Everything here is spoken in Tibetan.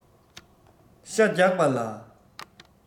ཤ རྒྱགས པ ལ